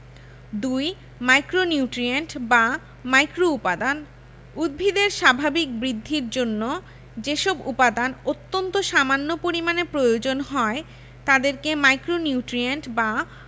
২ micronutrient বা মাইক্রোউপাদান উদ্ভিদের স্বাভাবিক বৃদ্ধির জন্য যেসব উপাদান অত্যন্ত সামান্য পরিমাণে প্রয়োজন হয় তাদেরকে মাইক্রোনিউট্রিয়েন্ট বা